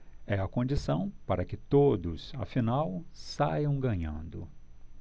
é a condição para que todos afinal saiam ganhando